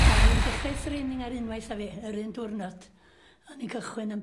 ...odd 'i yn dechre'i thraining ar unwaith â fi yr un diwrnod o'n ni'n cychwyn yn...